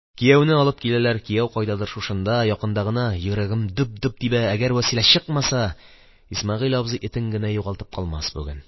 Кияүне алып киләләр, кияү кайдадыр шушында, якында гына. Йөрәгем дөп-дөп тибә, әгәр Вәсилә чыкмаса, Исмәгыйль абзый этен генә югалтып калмас бүген.